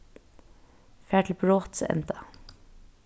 far til brotsenda